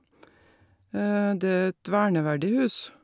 Det er et verneverdig hus.